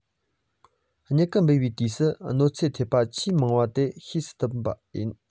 མྱུ གུ འབུས པའི དུས སུ གནོད འཚེ ཐེབས པ ཆེས མང བ དེ ཤེས པ ཐུབ པ ཡིན